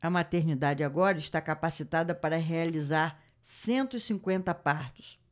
a maternidade agora está capacitada para realizar cento e cinquenta partos